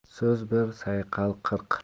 so'z bir sayqal qirq